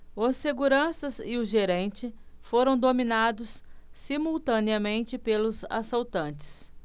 os seguranças e o gerente foram dominados simultaneamente pelos assaltantes